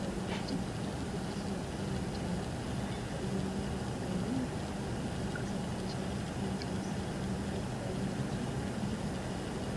Halkaan waa masaajid midabkiisu uu yahay cadaan iyo jaale, waxaa joogo niman badan waxay wataan shaarar cadaan iyo qamiisyo cadaan, macawis jaale iyo macawis cadeys.